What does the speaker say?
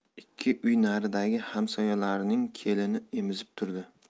ikki uy naridagi hamsoyalarining kelini emizib turdi